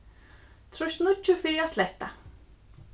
trýst níggju fyri at sletta